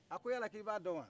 a ko yali i b'a dɔn wa